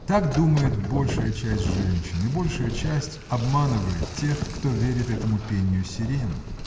Так думает большая часть женщин и большая часть обманывает тех кто верит этому пению сирен.